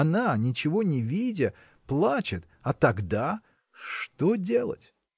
она, ничего не видя, плачет, а тогда! что делать?